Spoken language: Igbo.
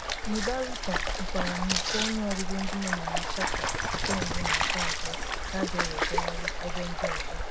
Nibaruta kwukwara na ụfọ ọnụọgụgụ ndị nọ na Mushasha nke mbụ na nke abụọ ka a ga-ewejeghari ebe ndị ọzọ.